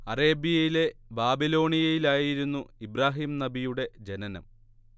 അറേബ്യയിലെ ബാബിലോണിയയിലായിരുന്നു ഇബ്രാഹിം നബിയുടെ ജനനം